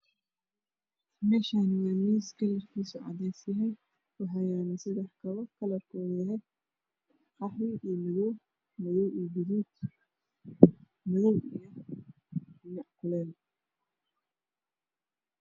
Meeshaan waa miis kalarkiisu caddees yahay waxa yaallo kabo kalarkoodu yahay qaxwo iyo madow madow iyo gaduud madow iyo ninac kuleel